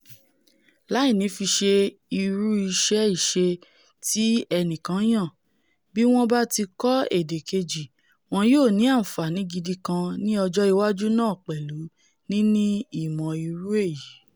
Láìnífiṣe irú iṣẹ́-ìṣe ti ẹnìkan yàn, bí wọ́n báti kọ́ èdè keji, wọn yóò ní àǹfààní gidi kan ní ọjọ́ iwájú náà pẹ̀lú níní ìmọ̀́ irú èyí.